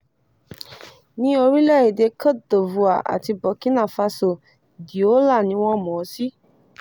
Ní orílẹ̀-èdè Cote d'Ivoire àti Burkina Faso, Dioula ni wọ́n mọ̀ ọ́ sí.